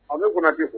A bɛ kɔnɔ tɛ